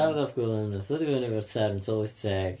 Dafydd Ap Gwilym wnaeth ddod i fyny efo'r term tylwyth teg.